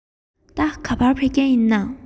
ད ག པར ཕེབས མཁན ཡིན ན